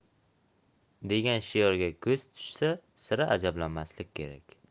degan shiorga ko'z tushsa sira ajablanmaslik kerak